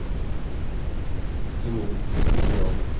химия и физика сериал